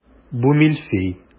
Бу мильфей.